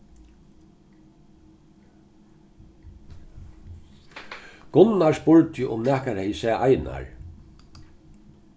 gunnar spurdi um nakar hevði sæð einar